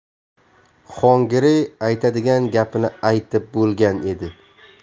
xongirey aytadigan gapini aytib bo'lgan edi